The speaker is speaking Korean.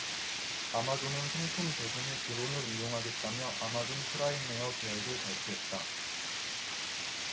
아마존은 상품 배송에 드론을 이용하겠다며 아마존 프라임에어 계획을 발표했다